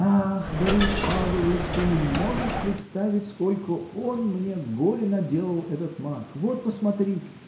— Ах, Борис Павлович, ты не можешь представить, сколько он мне горя наделал, этот Марк: вот посмотри!